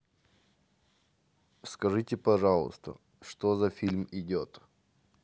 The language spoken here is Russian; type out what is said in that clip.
скажи пожалуйста что за фильм идет